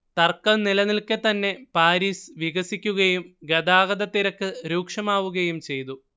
തർക്കം നിലനിൽക്കെത്തന്നെ പാരീസ് വികസിക്കുകയും ഗതാഗതത്തിരക്ക് രൂക്ഷമാവുകയും ചെയ്തു